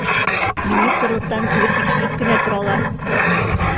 Министрлыктан килеп тикшереп кенә торалар.